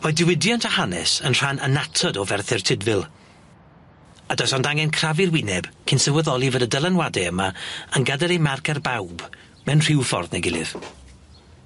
Mae diwydiant a hanes yn rhan annatod o Ferthyr Tydfil, a does ond angen crafu'r wyneb cyn sylweddoli fod y dylanwade yma yn gad'el eu marc ar bawb mewn rhyw ffordd neu gilydd.